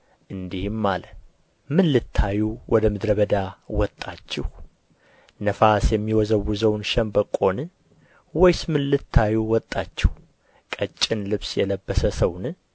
እንዲህም አለ ምን ልታዩ ወደ ምድረ በዳ ወጣችሁ ነፋስ የሚወዘውዘውን ሸምበቆን ወይስ ምን ልታዩ ወጣችሁ ቀጭን ልብስ የለበሰ ሰውን